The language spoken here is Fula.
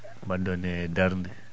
no mbaɗon e daarde